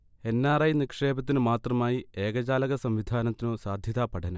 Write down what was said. N. R. I നിക്ഷേപത്തിനു മാത്രമായി ഏകജാലക സംവിധാനത്തിനു സാധ്യതാ പഠനം